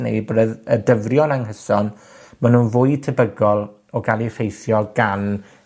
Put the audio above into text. neu bod y y dyfrio'n anghyson, ma' nw'n fwy tebygol o ga'l eu effeithio gan